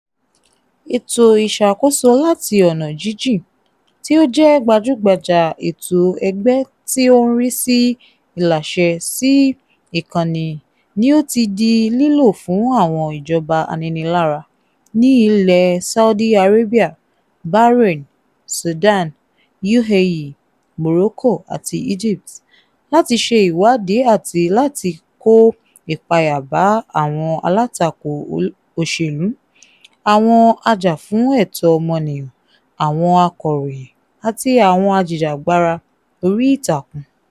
"Ètò ìṣàkóso láti ọ̀nà jíjìn" tí ó jẹ́ gbajúgbajà ètò ẹgbẹ́ tí ó ń rí sí ìláṣẹ sí ìkànnì ni ó ti di lílò fún àwọn ìjọba aninilára ní ilẹ̀ Saudi Arabia, Bahrain, Sudan, UAE, Morocco àti Egypt láti ṣe ìwádìí àti láti kó ìpayà bá àwọn alátakò òṣèlú, àwọn a jà-fún-ẹ̀tọ́ ọmọnìyàn, àwọn akọ̀ròyìn, àti àwọn ajìjàgbara orí ìtàkùn.